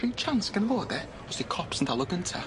'R unig chance ganddo fo de? Os 'di cops yn dal o gynta.